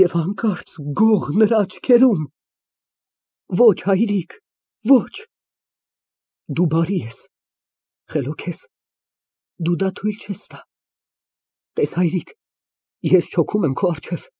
Եվ հանկարծ գող նրա աչքում։ (Չոքում է)